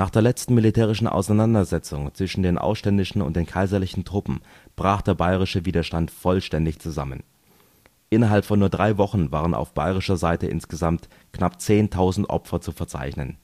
der letzten militärischen Auseinandersetzung zwischen den Aufständischen und den kaiserlichen Truppen brach der bayerische Widerstand vollständig zusammen. Innerhalb von nur drei Wochen waren auf bayerischer Seite insgesamt knapp 10.000 Opfer zu verzeichnen